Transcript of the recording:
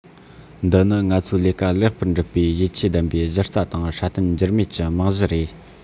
འདི ནི ང ཚོས ལས ཀ ལེགས པར སྒྲུབ པའི ཡིད ཆེས ལྡན པའི གཞི རྩ དང སྲ བརྟན འགྱུར མེད ཀྱི རྨང གཞི རེད